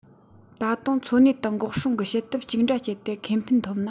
ད དུང འཚོ གནས དང འགོག སྲུང གི བྱེད ཐབས གཅིག འདྲ སྤྱད དེ ཁེ ཕན ཐོབ ན